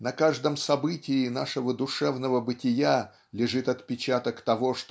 на каждом событии нашего душевного бытия лежит отпечаток того